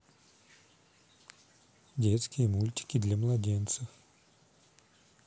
детские мультики для младенцев